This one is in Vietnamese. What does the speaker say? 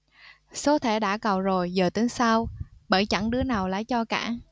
số thẻ đã cào rồi giờ tính sao bởi chẳng đứa nào lấy cho cả